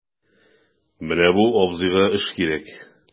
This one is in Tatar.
Менә бу абзыйга эш кирәк...